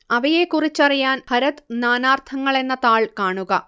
അവയെക്കുറിച്ചറിയാൻ ഭരത് നാനാര്ത്ഥങ്ങളെന്ന താൾ കാണുക